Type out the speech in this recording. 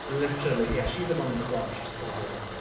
Literally, yeah, she's the one with the bob, she just put a wig on.